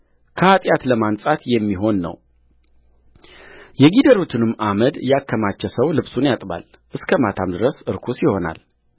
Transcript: ከኃጢአት ለማንጻት የሚሆን ነውየጊደሪቱንም አመድ ያከማቸ ሰው ልብሱን ያጥባል እስከ ማታም ድረስ ርኩስ ይሆናል